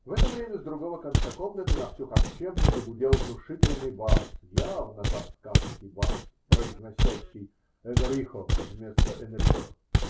В это время с другого конца комнаты на всю харчевню загудел внушительный бас, явно тосканский бас, произносящий "Энрихо" вместо "Энрико".